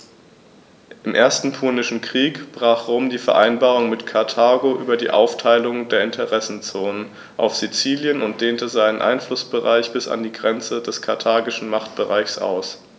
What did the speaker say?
Im Ersten Punischen Krieg brach Rom die Vereinbarung mit Karthago über die Aufteilung der Interessenzonen auf Sizilien und dehnte seinen Einflussbereich bis an die Grenze des karthagischen Machtbereichs aus.